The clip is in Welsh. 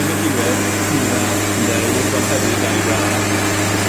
Yn y diwedd mi ddath 'ne ŵr bonheddig a'i fab.